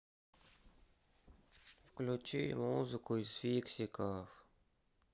включи музыку из фиксиков